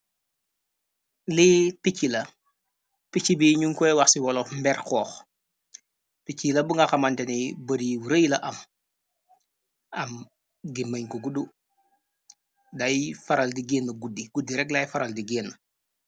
lii pichii la, pichii bi ñuñ koy wakh ci walof mber xoox. Pichii la bu nga xamanteney bot yu rëy la am, am gemenj bu guddu. Daiy faral di génni guddi, guddi rekk laay faral di génni.